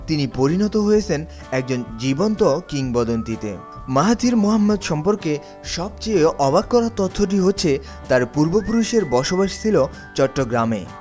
তিনি পরিণত হয়েছেন একজন জীবন্ত কিংবদন্তিতে মাহাথির মোহাম্মদ সম্পর্কে সবচেয়ে অবাককর তথ্যটি হচ্ছে তার পূর্বপুরুষের বসবাস ছিল চট্টগ্রামে